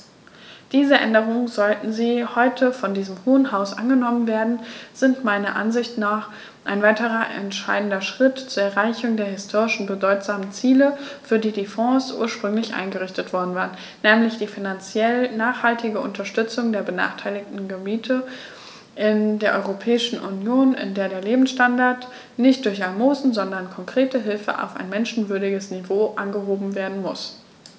Diese Änderungen, sollten sie heute von diesem Hohen Haus angenommen werden, sind meiner Ansicht nach ein weiterer entscheidender Schritt zur Erreichung der historisch bedeutsamen Ziele, für die die Fonds ursprünglich eingerichtet worden waren, nämlich die finanziell nachhaltige Unterstützung der benachteiligten Gebiete in der Europäischen Union, in der der Lebensstandard nicht durch Almosen, sondern konkrete Hilfe auf ein menschenwürdiges Niveau angehoben werden muss.